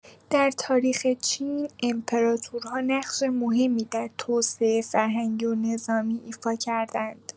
در تاریخ چین، امپراطورها نقش مهمی در توسعه فرهنگی و نظامی ایفا کرده‌اند.